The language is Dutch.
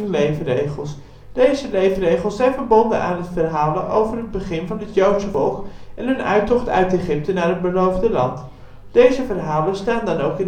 leefregels. Deze leefregels zijn verbonden aan het verhalen over het begin van het joodse volk, en hun uittocht uit Egypte naar het " beloofde land ". Deze verhalen staan dan ook